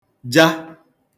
ja